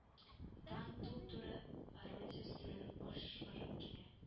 Танк туп-туры орудие өстенән ажгырып килә